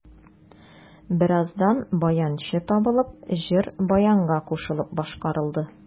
Бераздан баянчы табылып, җыр баянга кушылып башкарылды.